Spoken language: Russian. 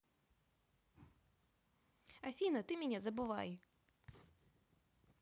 афина ты меня забывай